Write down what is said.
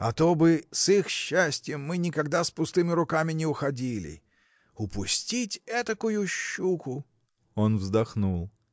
а то бы с их счастьем мы никогда с пустыми руками не уходили. Упустить этакую щуку! Он вздохнул.